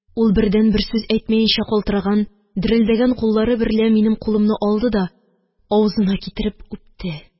Ул бердән, бер сүз әйтмәенчә, калтыраган, дерелдәгән куллары берлә минем кулымны алды да авызына китереп үпте